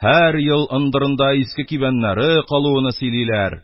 Һәр ел ындырында иске кибәннәре калуыны сөйлиләр;